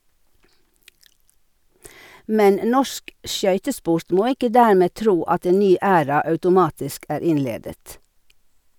Men norsk skøytesport må ikke dermed tro at en ny æra automatisk er innledet.